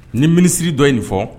Ni minisiriri dɔ ye nin fɔ